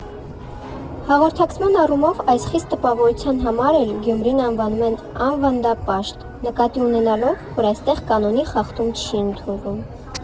Հաղորդակցման առումով այս խիստ տպավորության համար էլ Գյումրին անվանում են ավանդապաշտ՝ նկատի ունենալով, որ այստեղ կանոնի խախտում չի ընդունվում։